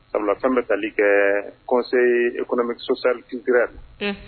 Sabula tan bɛ taali kɛ kɔ e kɔnɔmɛ sɔsari kisira la